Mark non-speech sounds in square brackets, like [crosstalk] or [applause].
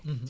[hesitation] [hesitation]